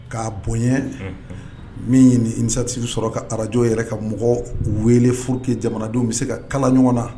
K'a bonya min ɲini nsati sɔrɔ ka arajo yɛrɛ ka mɔgɔ wele furuke jamanadenw bɛ se ka kala ɲɔgɔn na